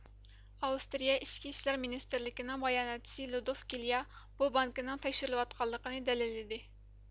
ئاۋسترىيە ئىچكى ئىشلار مىنىستىرلىكىنىڭ باياناتچىسى لودوف گېليا بۇ بانكىنىڭ تەكشۈرۈلۈۋاتقانلىقىنى دەلىللىدى